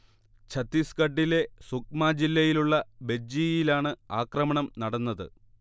ഛത്തീസ്ഗഢിലെ സുക്മ ജില്ലയിലുള്ള ബെജ്ജിയിലാണ് ആക്രമണം നടന്നത്